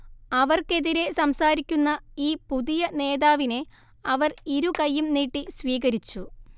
അവർക്കെതിരേ സംസാരിക്കുന്ന ഈ പുതിയ നേതാവിനെ അവർ ഇരുകൈയ്യും നീട്ടി സ്വീകരിച്ചു